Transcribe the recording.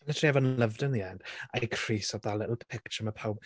Literally everyone loved her in the end. I crease at that little picture ma' pawb...